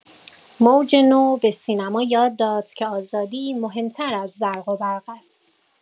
موج نو به سینما یاد داد که آزادی مهم‌تر از زرق‌وبرق است.